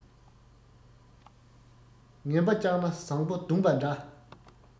ངན པ བསྐྱངས ན བཟང པོ བརྡུངས པ འདྲ